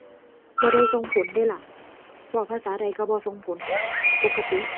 บ่ได้ส่งผลเดะล่ะ เว้าภาษาใดก็บ่ส่งผล ปกติ